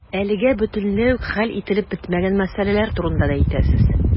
Әлегә бөтенләй үк хәл ителеп бетмәгән мәсьәләләр турында да әйтәсез.